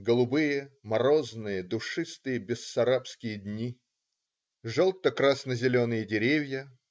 Голубые, морозные, душистые бессарабские дни. Желто-красно-зеленые деревья.